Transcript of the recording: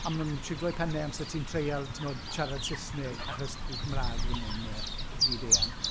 A maen nhw'n siglo'u pennau amser ti'n treial, timod, siarad Saesneg. Achos dyw Cymraeg ddim yn yy fyd eang.